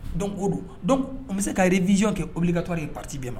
Don o don o bɛ se ka yɛrɛ vzyɔn kɛ obili ka taa ye pati ma